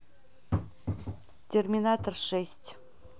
терминатор шесть